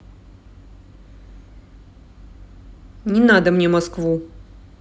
не надо мне москву